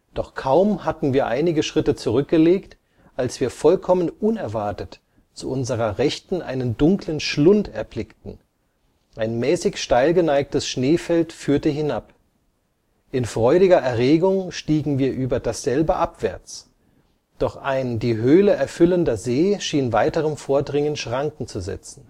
Doch kaum hatten wir einige Schritte zurückgelegt, als wir vollkommen unerwartet zu unserer rechten einen dunklen Schlund erblickten; ein mäßig steil geneigtes Schneefeld führte hinab. In freudiger Erregung stiegen wir über dasselbe abwärts; doch ein die Höhle erfüllender See schien weiterem Vordringen Schranken zu setzen